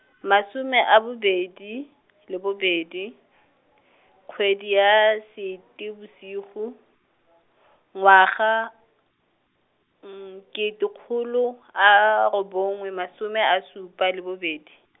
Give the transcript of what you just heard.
masome a bobedi, le bobedi, kgwedi ya Seetebosigo, ngwaga, kete kgolo a robongwe masome a supa le bobedi.